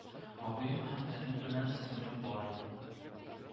Абыем һәм энем белән сеңлем бар